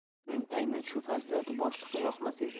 uning aynan shu fazilati boshliqqa yoqmas edi